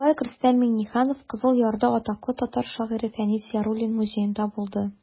Шулай ук Рөстәм Миңнеханов Кызыл Ярда атаклы татар шагыйре Фәнис Яруллин музеенда булды.